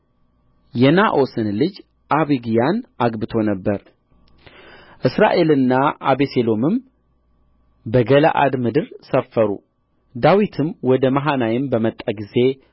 የናዖስን ልጅ አቢግያን አግብቶ ነበር እስራኤልና አቤሴሎምም በገለዓድ ምድር ሰፈሩ ዳዊትም ወደ መሃናይም በመጣ ጊዜ